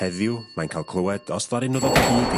heddiw mae'n cael clywed os ddaru n'w ddod o hyd i...